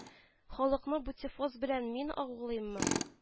Халыкны бутифос белән мин агулыйммы